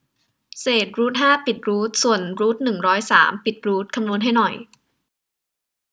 เศษรูทห้าปิดรูทส่วนรูทหนึ่งร้อยสามปิดรูทคำนวณให้หน่อย